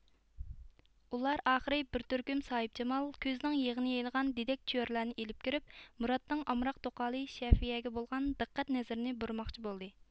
ئۇلار ئاخىرى بىر تۈركۈم ساھىبجامال كۆزنىڭ يېغىنى يەيدىغان دېدەك چۆرىلەرنى ئېلىپ كىرىپ مۇرادنىڭ ئامراق توقالى شەفىيەگە بولغان دىققەت نەزىرىنى بۇرىماقچى بولدى